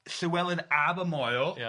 Llywelyn ab y Moel... Ia.